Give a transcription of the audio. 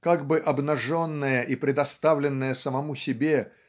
как бы обнаженное и предоставленное самому себе